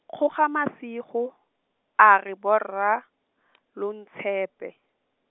Kgogamasigo, a re borra, lo ntshepe.